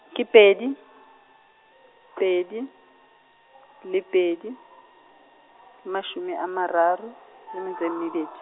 ke pedi , pedi, le pedi, le mashome a mararo, le metso e mebedi.